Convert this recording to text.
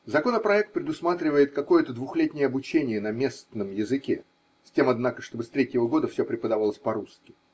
Законопроект предусматривает какое-то двухлетнее обучение на местном языке, с тем, однако, чтобы с третьего года все преподавалось по-русски